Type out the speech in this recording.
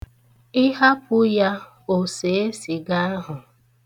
Ị hapụ ya, o see sịga ahụ.